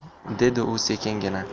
dedi u sekingina